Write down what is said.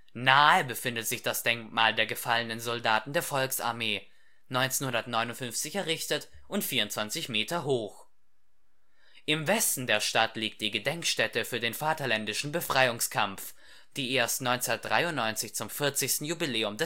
Nahe befindet sich das Denkmal der Gefallenen Soldaten der Volksarmee, 1959 errichtet und 24 Meter hoch. Im Westen der Stadt liegt die Gedenkstätte für den Vaterländischen Befreiungskampf, die erst 1993 zum 40. Jubiläum